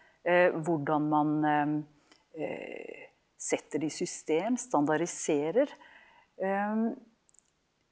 hvordan man setter det i system, standardiserer .